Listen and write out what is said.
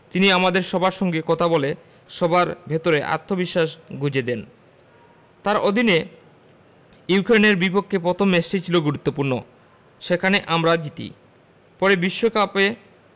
তিনি আমাদের সবার সঙ্গে কথা বলে সবার ভেতরে আত্মবিশ্বাস গুঁজে দেন তাঁর অধীনে ইউক্রেনের বিপক্ষে প্রথম ম্যাচটি ছিল গুরুত্বপূর্ণ সেখানে আমরা জিতি পরে বিশ্বকাপে